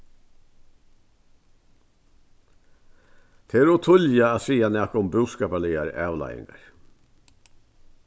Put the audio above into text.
tað er ov tíðliga at siga nakað um búskaparligar avleiðingar